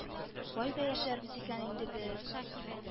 Кайда яшәрбез икән инде без